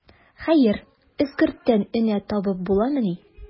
Хәер, эскерттән энә табып буламыни.